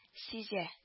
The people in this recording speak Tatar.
Сизә